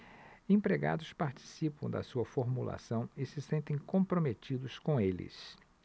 empregados participam da sua formulação e se sentem comprometidos com eles